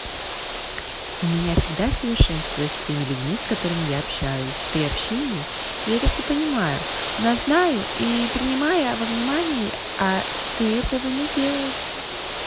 у меня всегда совершенство с теми людьми с которыми я общаюсь при общении я это все понимаю назнаю и принимая во внимание а ты этого не делаешь